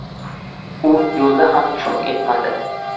u yo'lda ham churq etmadi